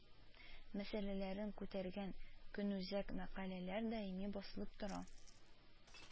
Мәсьәләләрен күтәргән көнүзәк мәкаләләр даими басылып тора